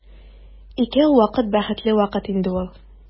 Икәү вакыт бәхетле вакыт инде ул.